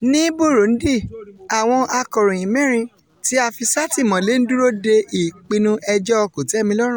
Ní Burundi, àwọn akọ̀ròyìn mẹ́rin tí a fi sátìmọ́lé ń dúró de ìpinnu ẹjọ́ kòtẹ́milọ́rùn